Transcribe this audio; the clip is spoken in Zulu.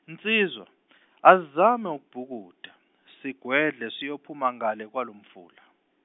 nsizwa , asizame ukubhukuda sigwedle siyophuma ngale kwalo mfula.